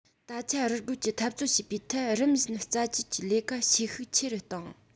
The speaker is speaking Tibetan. ད ཆ རུལ རྒོལ གྱི འཐབ རྩོད བྱེད པའི ཐད རིམ བཞིན རྩ བཅོས ཀྱི ལས ཀ བྱེད ཤུགས ཆེ རུ བཏང